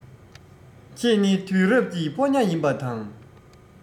ཁྱེད ནི དུས རབས ཀྱི ཕོ ཉ ཡིན པ དང